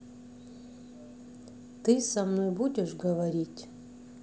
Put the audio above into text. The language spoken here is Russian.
ты со мной будешь говорить